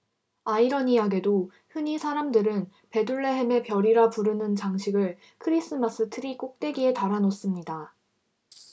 아이러니하게도 흔히 사람들은 베들레헴의 별이라 부르는 장식을 크리스마스트리 꼭대기에 달아 놓습니다